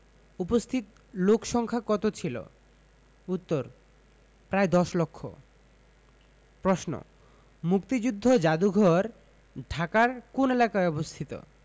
উপস্থিত লোকসংক্ষা কত ছিলো উত্তর প্রায় দশ লক্ষ প্রশ্ন মুক্তিযুদ্ধ যাদুঘর ঢাকার কোন এলাকায় অবস্থিত